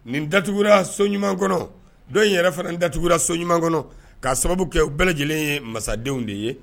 Nin datugura so ɲuman kɔnɔ dɔw in yɛrɛ fana datugura so ɲuman kɔnɔ ka sababu kɛ u bɛɛ lajɛlen ye masadenw de ye